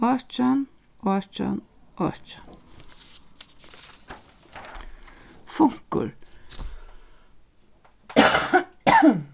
átjan átjan átjan funkur